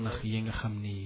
ndax yi nga xam ni